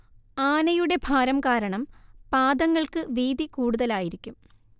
ആനയുടെ ഭാരം കാരണം പാദങ്ങൾക്ക് വീതി കൂടുതലായിരിക്കും